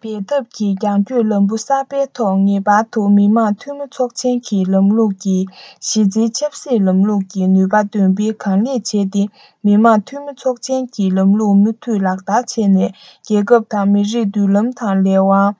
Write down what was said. འབད འཐབ ཀྱི རྒྱང སྐྱོད ལམ བུ གསར པའི ཐོག ངེས པར དུ མི དམངས འཐུས མི ཚོགས ཆེན གྱི ལམ ལུགས ཀྱི གཞི རྩའི ཆབ སྲིད ལམ ལུགས ཀྱི ནུས པ འདོན སྤེལ གང ལེགས བྱས ཏེ མི དམངས འཐུས མི ཚོགས ཆེན གྱི ལམ ལུགས མུ མཐུད ལག བསྟར བྱས ནས རྒྱལ ཁབ དང མི རིགས ཀྱི མདུན ལམ དང ལས དབང